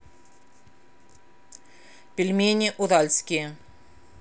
пельмени уральские